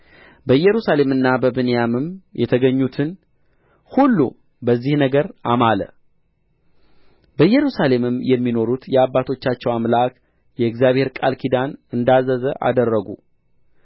በኢየሩሳሌምና በብንያምም የተገኙትን ሁሉ በዚህ ነገር አማለ በኢየሩሳሌምም የሚኖሩት የአባቶቻቸው አምላክ የእግዚአብሔር ቃል ኪዳን እንዳዘዘ አደረጉ